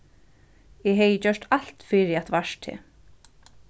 eg hevði gjørt alt fyri at vart teg